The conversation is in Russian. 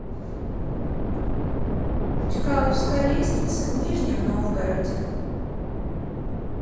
чкаловская лестница в нижнем новгороде